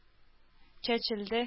Чәчелде